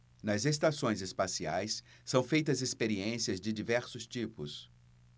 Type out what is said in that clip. nas estações espaciais são feitas experiências de diversos tipos